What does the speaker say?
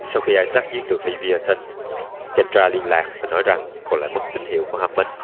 sau khi isaac giết được leviathan kendra liên lạc và nói rằng cô lại mất tín hiệu của hammond